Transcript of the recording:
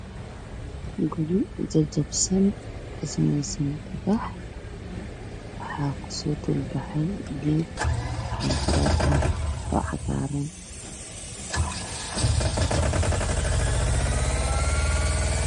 Guryo jajabsan ka sameysaan dhagax waxaanu ku yaalo geedo